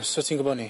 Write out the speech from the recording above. O so ti'n gwbo' ni.